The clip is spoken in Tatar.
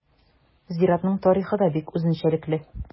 Зиратның тарихы да бик үзенчәлекле.